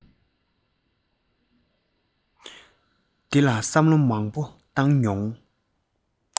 འདི ལ བསམ བློ མང པོ བཏང མྱོང